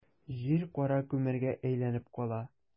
Җир кара күмергә әйләнеп кала.